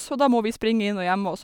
Så da må vi springe inn og gjemme oss.